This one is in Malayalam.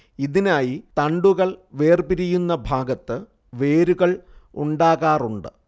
ഇതിനായി തണ്ടുകൾ വേർപിരിയുന്ന ഭാഗത്ത് വേരുകൾ ഉണ്ടാകാറുണ്ട്